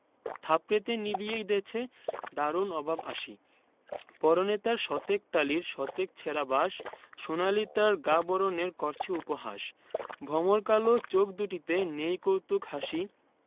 থাপড়েতে নিবিয়ে দেছে দারুণ অভাব আসি পরনে তার শতেক তালির শতেক ছেঁড়া বাস সোনালি তার গা বরণের করছে উপহাস ভমর কালো চোখ দুটিতে নেই কৌতুক হাসি